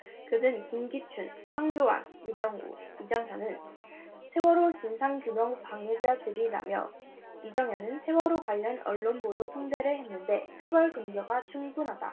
그는 김기춘 황교안 우병우 이정현은 세월호 진상규명 방해자들이다며 이정현은 세월호 관련 언론보도 통제를 했는데 처벌 근거가 충분하다